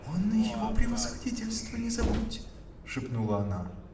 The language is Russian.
он — его превосходительство — не забудь, — шепнула она.